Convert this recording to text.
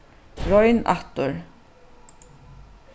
royn aftur